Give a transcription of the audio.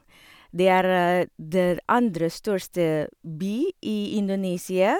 Det er der andre største by i Indonesia.